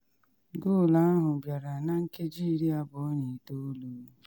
Goolu ahụ bịara na nkeji 29.